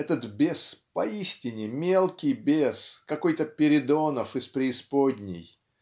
этот бес, поистине - мелкий бес, какой-то Передонов из преисподней.